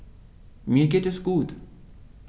Mir geht es gut.